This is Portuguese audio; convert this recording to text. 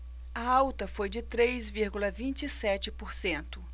a alta foi de três vírgula vinte e sete por cento